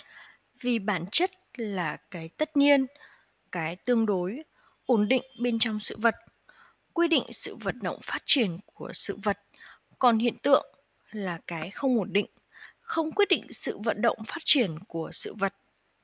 vì bản chất là cái tất nhiên cái tương đối ổn định bên trong sự vật quy định sự vận động phát triển của sự vật còn hiện tượng là cái không ổn định không quyết định sự vận động phát triển của sự vật